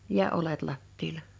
ja oljet lattialla